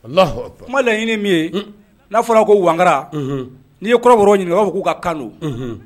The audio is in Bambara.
Laɲini min ye n'a fɔra ko wkara n'i ye kɔrɔ ɲ k'u ka kan